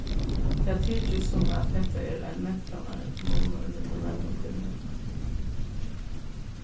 tað tykist sum at hetta er ein mentanarmunur millum menn og kvinnur